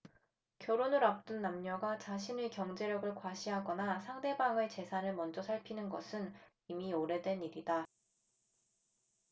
결혼을 앞둔 남녀가 자신의 경제력을 과시하거나 상대방의 재산을 먼저 살피는 것은 이미 오래된 일이다